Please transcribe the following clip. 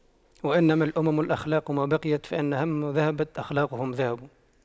وإنما الأمم الأخلاق ما بقيت فإن هم ذهبت أخلاقهم ذهبوا